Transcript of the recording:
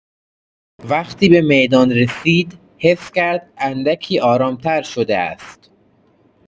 وقتی به میدان رسید، حس کرد اندکی آرام‌تر شده است.